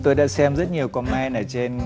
tôi đã xem rất nhiều còm men ở trên